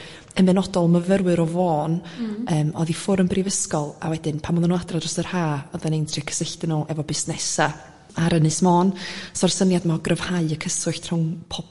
o Fôn yym o'dd i ffwr yn Brifysgol a wedyn pan odda nw adra dros yr rha oddan ni'n trio cysylltu nw efo busnesa ar Ynys Môn so'r syniad 'ma o gryfhau y cyswllt rhwng